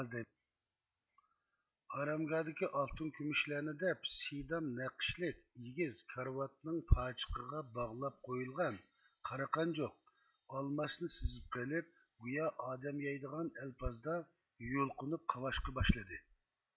ئارامگاھتىكى ئالتۇن كۈمۈشلەرنى دەپ سىدام نەقىشلىك ئېگىز كارىۋاتنىڭ پاچىقىغا باغلاپ قويۇلغان قارا قانجۇق ئالماسنى سىزىپ قېلىپ گويا ئادەم يەيدىغان ئەلپازدا يۇلقۇنۇپ قاۋاشقا باشلىدى